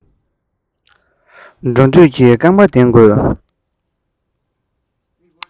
འགྲོ འདོད ཀྱི རྐང པ ལྡན དགོས